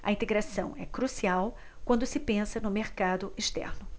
a integração é crucial quando se pensa no mercado externo